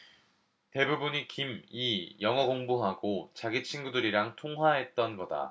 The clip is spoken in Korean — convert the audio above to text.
대부분이 김 이 영어공부하고 자기 친구들이랑 통화했던 거다